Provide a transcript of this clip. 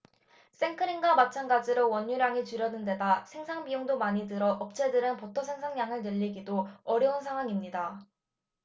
생크림과 마찬가지로 원유량이 줄어든데다 생산 비용도 많이 들어 업체들이 버터 생산량을 늘리기도 어려운 상황입니다